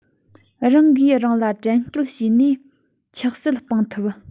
རང གིས རང ལ དྲན སྐུལ བྱས ནས ཆགས སྲེད སྤངས ཐུབ